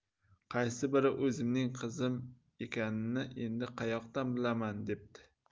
qaysi biri o'zimning qizim ekanini endi qayoqdan bilaman debdi